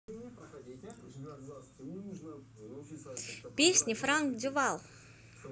песни frank duval